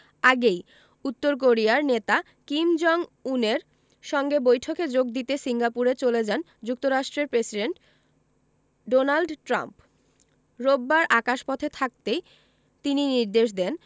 আগেই উত্তর কোরিয়ার নেতা কিম জং উনের সঙ্গে বৈঠকে যোগ দিতে সিঙ্গাপুরে চলে যান যুক্তরাষ্ট্রের প্রেসিডেন্ট ডোনাল্ড ট্রাম্প রোববার আকাশপথে থাকতেই তিনি নির্দেশ দেন